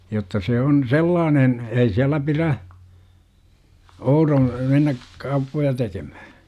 jotta se on sellainen ei siellä pidä oudon mennä kauppoja tekemään